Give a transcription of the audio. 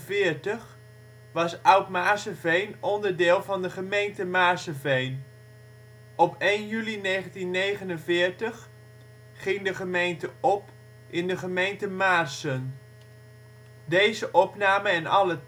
1949 was Oud-Maarsseveen onderdeel van de gemeente Maarseveen. Op 1 juli 1949 ging de gemeente op in de gemeente Maarssen. Sjabloon:Navigatie